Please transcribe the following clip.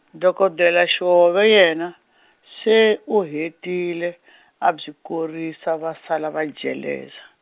dokodela Xiove yena, se u hetile, a byi korisa va sala va jeleza.